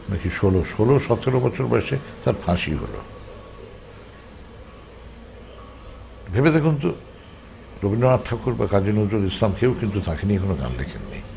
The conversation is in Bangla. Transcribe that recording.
নাকি ১৬ ১৬ ১৭ বছর বয়সে তার ফাঁসি হলো ভেবে দেখুন তো রবীন্দ্রনাথ ঠাকুর বা কাজী নজরুল ইসলাম কেউ কিন্তু তাকে নিয়ে কোন গান লিখেননি